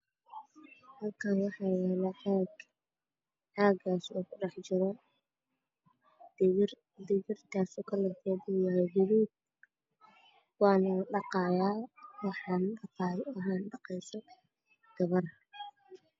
Halkaan waxaa yaalo caag waxaa ku dhex jiro digir kalarkeedu waa buluug waana ladhaqaaya waxaa dhaqeyso gabar.